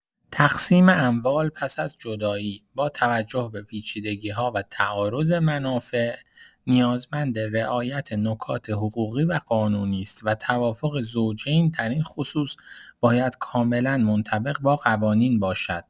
تقسیم اموال پس از جدایی، با توجه به پیچیدگی‌ها و تعارض منافع، نیازمند رعایت نکات حقوقی و قانونی است و توافق زوجین در این خصوص باید کاملا منطبق با قوانین باشد.